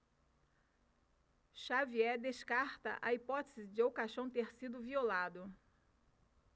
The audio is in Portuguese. xavier descarta a hipótese de o caixão ter sido violado